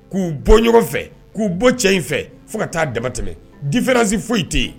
K'u bɔ ɲɔgɔn fɛ k'u bɔ cɛ in fɛ fo ka taa dama tɛmɛ di fanasi foyi tɛ yen